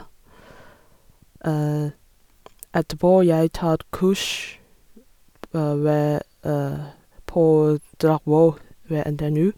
Etterpå jeg tar et kurs p ved på Dragvoll, ved NTNU.